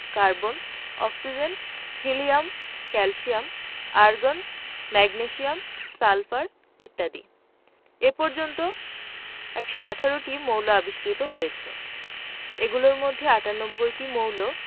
carbon oxygen helium calcium argon magnesium sulphur ইত্যাদি এ পর্যন্ত 118টি মৌল আবিষ্কৃত হয়েছে এগুলোর মধ্যে 98টি মৌল